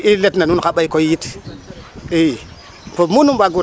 i letna nuun xa ɓay koyit i fo mu nu mbaaguna.